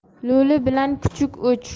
lo'li bilan kuchuk o'ch